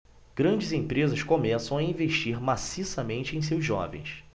grandes empresas começam a investir maciçamente em seus jovens